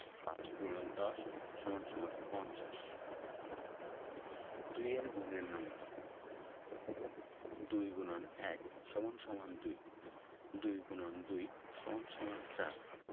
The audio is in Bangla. ৫×১০ = ৫০ ২ এর গুণের নামতা ২ X ১ = ২ ২ X ২ = ৪